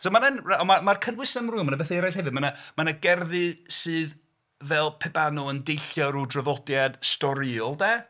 So mae'n en- ma- mae'r cynnwys amrywiol mae 'na bethau eraill hefyd. Mae 'na... mae 'na gerddi sydd fel pe bawn nhw yn deillio o ryw draddodiad storïol 'de.